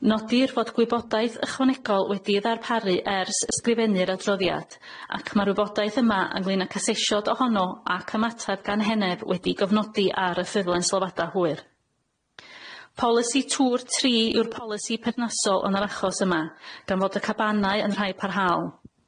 Nodir fod gwybodaeth ychwanegol wedi'i ddarparu ers ysgrifennu'r adroddiad ac ma'r wybodaeth yma ynglŷn âc asesiad ohono ac ymatad gan heneb wedi'i gofnodi ar y ffurflen sylwada hwyr. Polisi twr tri yw'r polisi pernasol yn yr achos yma gan fod y cabanau yn rhai parhaol.